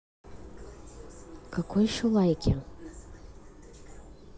какой еще лайки